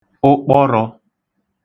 ụkpọrọ̄